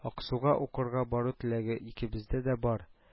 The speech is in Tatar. Аксуга укырга бару теләге икебездә дә бар